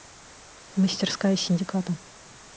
мастерская синдиката